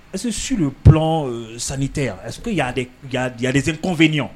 Ɛse suur ye p san tɛ yan ɛ ya dee kɔn2i